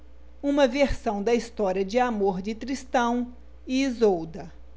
uma versão da história de amor de tristão e isolda